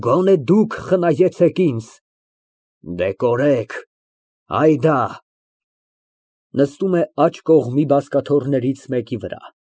Գոնե դուք խնայեցեք ինձ։ Դեհ, կորեք, հայդա։ (Նստում է աջ կողմի բազկաթոռներից մեկի վրա)։